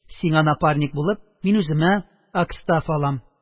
Сиңа напарник булып, мин үземә «Акстафа» алам.